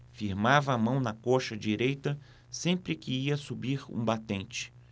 firmava a mão na coxa direita sempre que ia subir um batente